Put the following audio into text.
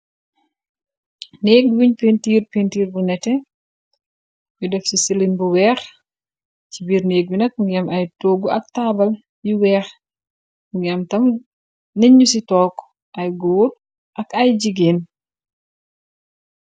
Néeg buñ pintiir pintiir bu nete yu def si silim bu weex ci biir néeg bi nag mu ngi am ay toggu ak taabal yu weex mu ngi am tam nenu ci took ay góor ak ay jigéen.